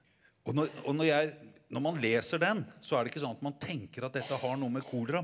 og når og når jeg når man leser den så er det ikke sånn at man tenker at dette har noe med kolera.